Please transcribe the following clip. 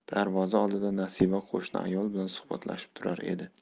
darvoza oldida nasiba qo'shni ayol bilan suhbatlashib turar edi